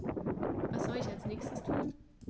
Was soll ich als Nächstes tun?